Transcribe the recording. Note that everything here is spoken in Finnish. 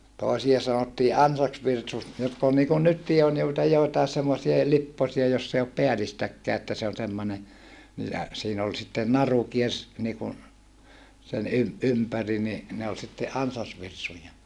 toisia sanottiin ansasvirsuksi jotka oli niin kuin nytkin on joita joitakin semmoisia lipposia jossa ei ole päällistäkään että se on semmoinen niin ja siinä oli sitten naru kiersi niin kuin sen - ympäri niin ne oli sitten ansasvirsuja